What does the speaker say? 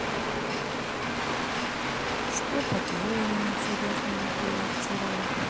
что по твоему интересное было вчера